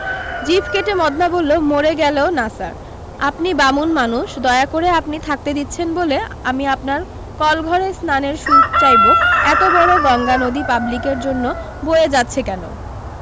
জিভ কেটে মদনা বললো মরে গেলেও না স্যার আপনি বামুন মানুষ দয়া করে আপনি থাকতে দিচ্ছেন বলে আমি আপনার কলঘরে স্নানের সুখ চাইবো এতো বড়ো গঙ্গানদী পাবলিকের জন্য বয়ে যাচ্ছে কেন